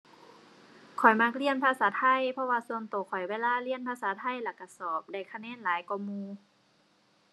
ข้อยมักเรียนภาษาไทย เพราะว่าส่วนตัวข้อย เวลาเรียนภาษาไทยแล้วตัวสอบ ได้คะแนนหลายกว่าหมู่